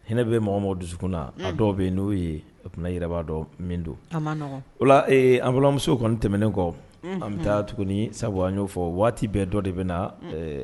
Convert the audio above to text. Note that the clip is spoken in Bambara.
Hinɛ bɛ mɔgɔ ma dusukun na a dɔw bɛ yen n'o ye a kunna yiribaa dɔn min don wala an balimalɔmusow kɔni tɛmɛnen kɔ an bɛ taa tuguni sabu n y'o fɔ waati bɛɛ dɔ de bɛ na